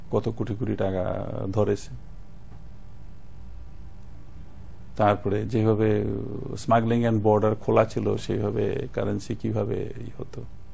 কত কোটি কোটি টাকা ধরেছে তার পরে যেভাবে স্মাগলিং এন্ড বর্ডার খোলা ছিল সেভাবে কারেন্সি কিভাবে এ হত